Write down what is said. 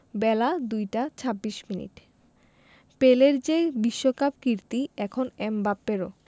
বেলা ২টা ২৬মিনিট পেলের যে বিশ্বকাপ কীর্তি এখন এমবাপ্পেরও